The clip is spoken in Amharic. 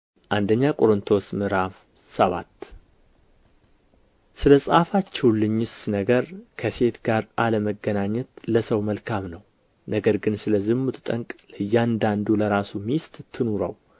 አንደኛ ቆሮንጦስ ምዕራፍ ሰባት ስለ ጻፋችሁልኝስ ነገር ከሴት ጋር አለመገናኘት ለሰው መልካም ነው ነገር ግን ስለ ዝሙት ጠንቅ ለእያንዳንዱ ለራሱ ሚስት ትኑረው